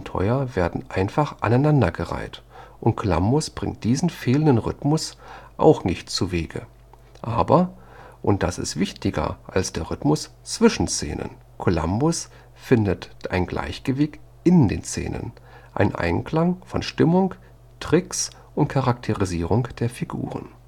Abenteuer werden einfach aneinander gereiht – und Columbus bringt diesen fehlenden Rhythmus auch nicht zuwege. Aber, und das ist wichtiger als der Rhythmus zwischen Szenen, Columbus findet ein Gleichgewicht in den Szenen, einen Einklang von Stimmung, Tricks und Charakterisierung der Figuren